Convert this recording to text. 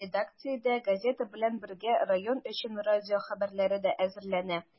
Редакциядә, газета белән бергә, район өчен радио хәбәрләре дә әзерләнә.